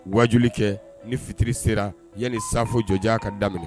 Wajuli kɛ ni fitiri sera yanni safo jɔjan ka daminɛ